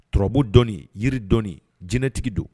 Tbu dɔ yiri dɔ jinɛtigi don